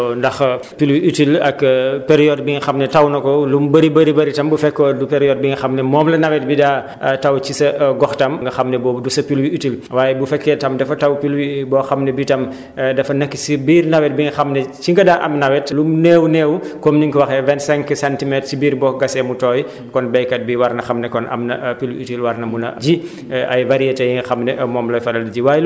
am na solo kon am na solo béykat bi xam loolu ndax pluie utile ak période bi nga xam ne taw na ko lu mu bëri bëri tam bu fekkoon du période bi nga xam ne moom la nawet bi daa taw ci sa gox tam nga xam ne boobu du sa pluie utile waaye bu fekkee tam dafa taw pluie boo xam ne bi tam dafa nekk si biir nawet bi nga xam ne ci nga daan am nawet lu mu néew-néew comme ni nga ko waxee vingt cinq centimètre si biir boo gasee mu tooy kon béykat bi war na xam ne kon am na pluie utile war na mun a ji